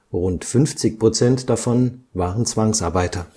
rund 50 Prozent davon waren Zwangsarbeiter